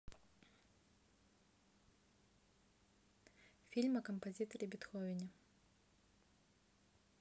фильм о композиторе бетховене